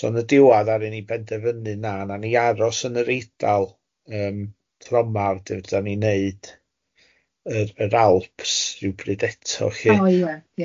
So yn y diwadd ari ni benderfynnu na, nawn ni aros yn yr Eidal yym dromar a dyn da ni'n wneud yr yr Alps rywbryd eto lly. O ie ie.